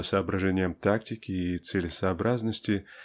по соображениям тактики и целесообразности